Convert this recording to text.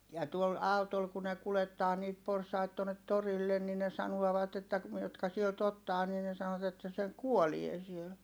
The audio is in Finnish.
ja tuolla autolla kun ne kuljettaa niitä porsaita tuonne torille niin ne sanovat että - jotka sieltä ottaa niin ne sanoivat että se kuolee siellä